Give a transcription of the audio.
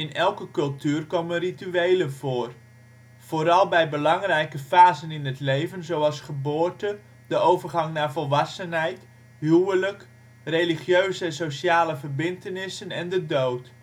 elke cultuur komen rituelen voor. Vooral bij belangrijke fase in het leven zoals geboorte, volwassenheid, huwelijk, (religieuze en sociale) verbintenissen en de dood